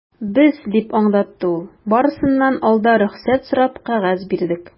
Без, - дип аңлатты ул, - барысыннан алда рөхсәт сорап кәгазь бирдек.